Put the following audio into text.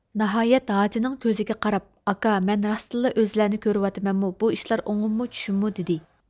ناھايەت ھاجىنىڭ كۆزىگە قاراپ ئاكا مەن راستتىنلا ئۆزلەنى كۆرۈۋاتىمەنمۇ بۇ ئىشلار ئوڭۇممۇ چۈشۈممۇ دېدى